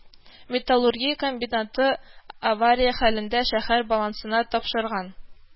Металлургия комбинаты авария хәлендә шәһәр балансына тапшырган